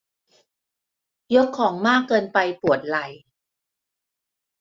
ยกของมากเกินไปปวดไหล่